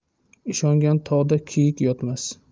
ishongan tog'da kiyik yotmas